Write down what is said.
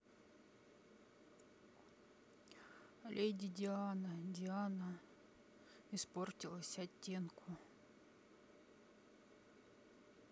lady diana diana испортилась оттенку